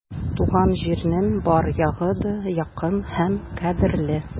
Туган җирнең бар ягы да якын һәм кадерле.